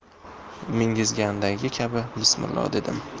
mingizgandagi kabi bismillo dedim